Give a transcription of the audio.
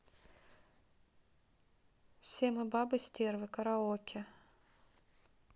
все мы бабы стервы караоке